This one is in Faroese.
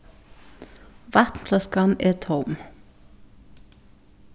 vatnfløskan er tóm